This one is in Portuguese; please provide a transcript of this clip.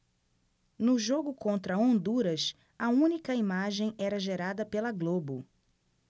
no jogo contra honduras a única imagem era gerada pela globo